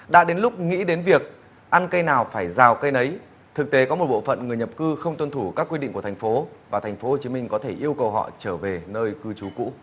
đã đến lúc nghĩ đến việc ăn cây nào phải rào cây nấy thực tế có một bộ phận người nhập cư không tuân thủ các quy định của thành phố và thành phố hồ chí minh có thể yêu cầu họ trở về nơi cư trú cũ